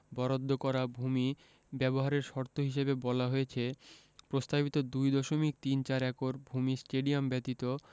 বরাদ্দ করা ভূমি ব্যবহারের শর্ত হিসেবে বলা হয়েছে প্রস্তাবিত ২ দশমিক তিন চার একর ভূমি স্টেডিয়াম ব্যতীত